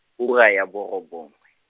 ura ya bo robongwe.